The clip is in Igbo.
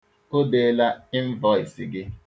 O deela ịnvọịsị gị.